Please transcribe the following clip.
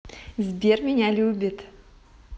сбер меня любит